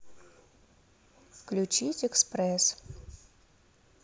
включить экспресс